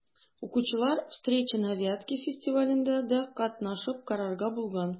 Укучылар «Встречи на Вятке» фестивалендә дә катнашып карарга булган.